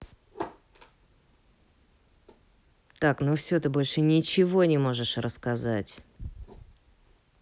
так ну все ты больше ничего не можешь рассказать